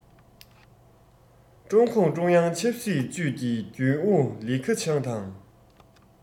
ཀྲུང གུང ཀྲུང དབྱང ཆབ སྲིད ཅུས ཀྱི རྒྱུན ཨུ ལི ཁེ ཆང དང